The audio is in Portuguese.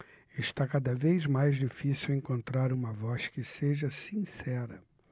está cada vez mais difícil encontrar uma voz que seja sincera